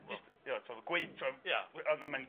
Jyst ia ti'od gwey- t'mo' ia. A a mae'n